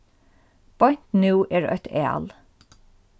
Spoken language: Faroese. beint nú er eitt æl